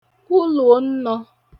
ulùò nnọ̄